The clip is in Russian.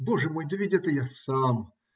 Боже мой, да ведь это - я сам!